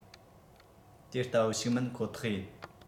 དེ ལྟ བུ ཞིག མིན ཁོ ཐག ཡིན